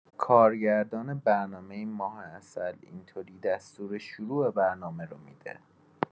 کارگردان برنامۀ ماه‌عسل اینطوری دستور شروع برنامه رو می‌ده!